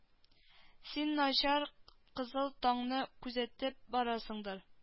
Син наҗар кызыл таңны күзәтеп барасыңдыр